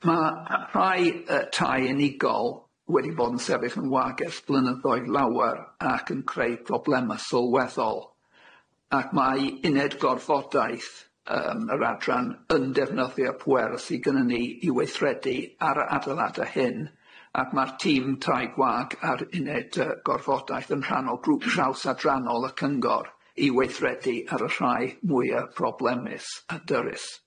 Ma' yy rhai yy tai unigol wedi bod yn sefyll yn wag ers blynyddoedd lawer ac yn creu problema sylweddol ac mau uned gorfodaeth yym yr adran yn defnyddio pŵer sy gynnon ni i weithredu ar y adeilada hyn ac ma'r tîm tai gwag ar uned yy gorfodaeth yn rhan o grŵp trawsadrannol y Cyngor i weithredu ar y rhai mwya problemus a dyrys.